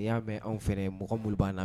N'i y'a mɛn anw fan mɔgɔ minnu b'an lamɛn